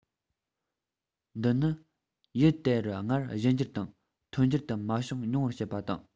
འདི ནི ཡུལ དེ རུ སྔར གཞན འགྱུར དང ཐོར འགྱུར དུ མ བྱུང མྱོང བར བཤད པ དང